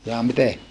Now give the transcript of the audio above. jaa miten